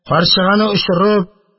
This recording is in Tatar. Карчыганы очырып